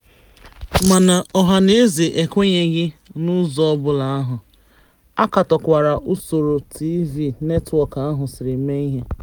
Mana ọhanaeze ekwenyeghị n'ụzọ ọbụla ahụ, a katọkwara usoro TV netwọk ahụ siri mee ihe.